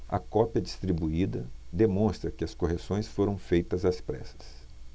a cópia distribuída demonstra que as correções foram feitas às pressas